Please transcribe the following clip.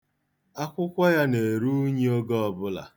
Akwụkwọ ya na-eru unyi oge niile.